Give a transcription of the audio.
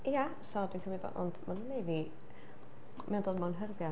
Ia, so dwi'n cymryd bod, ond mae o wedi wneud i fi. Mae o'n dod mewn hyrddiau.